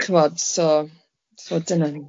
Chi'bod so, so dyna ni.